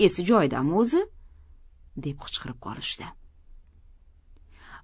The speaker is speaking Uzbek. esi joyidami o'zi deb qichqirib qolishdi